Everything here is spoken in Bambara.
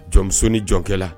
Jɔnmusosonin jɔnkɛla